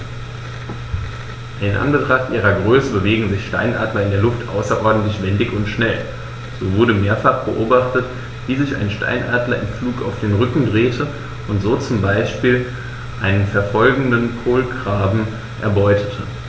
In Anbetracht ihrer Größe bewegen sich Steinadler in der Luft außerordentlich wendig und schnell, so wurde mehrfach beobachtet, wie sich ein Steinadler im Flug auf den Rücken drehte und so zum Beispiel einen verfolgenden Kolkraben erbeutete.